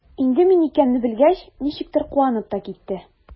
Инде мин икәнне белгәч, ничектер куанып та китте.